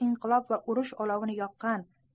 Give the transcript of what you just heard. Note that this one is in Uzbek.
inqilob va urush olovini yoqqan